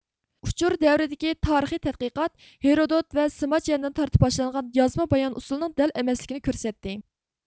ئۇچۇر دەۋرىدىكى تارىخىي تەتقىقات ھېرودود ۋە سىماچيەندىن تارتىپ باشلانغان يازما بايان ئۇسۇلىنىڭ دەل ئەمەسلىكىنى كۆرسەتتى